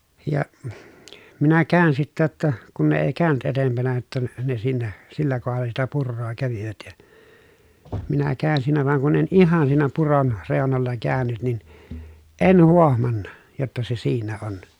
ja minä kävin sitten jotta kun ne ei käynyt edempänä jotta - ne siinä sillä kohdalla sitä puroa kävivät ja minä kävin siinä vaan kun en ihan siinä puron reunoilla käynyt niin en huomannut jotta se siinä on